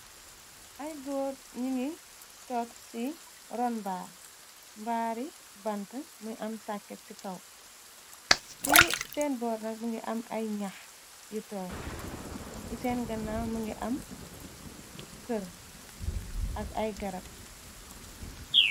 Ay góor ñi ngi tog ci ron mbar, mbaari bante, mi ngi am sàkket ci kaw, ci seen boor nak mingi am ay ñax yu toy, ci seen gannawvmi ngi am kër ak ay garab.